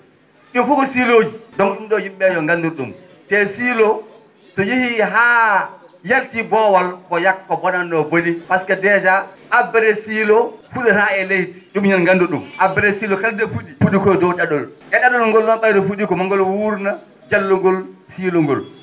?iin fof ko siilooji donc ?um ?oo yim?e ?ee yo nganndir ?um te siiloo so yehii haa yaltii boowal ko yak o bonatno bonii pasque déjà abbere siiloo fu?ata e leydi ?um yo en nganndu ?um abbere siiloo kala nde fu?i fu?i ko he dow ?a?ol e ?a?ol ngol noon ?ayde fu?i ko maa ngol wuurna jallungol siiloo ngol